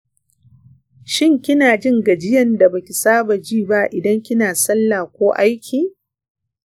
shin kina jin gajiyan da baki saba jiba idan kina sallah ko aiki?